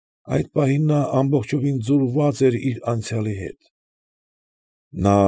Այդ պահին նա ամբողջովին ձուլված էր իր անցյալի հետ։